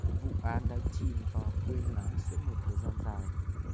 vụ án đã chìm vào quên lãng suốt một thời gian dài